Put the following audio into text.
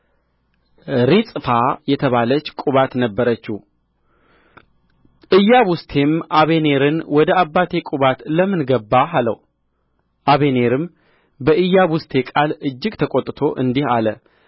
ሪጽፋ የተባለች ቁባት ነበረችው ኢያቡስቴም አበኔርን ወደ አባቴ ቁባት ለምን ገባህ አለው አበኔርም በኢያቡስቴ ቃል እጅግ ተቈጥቶ እንዲህ አለ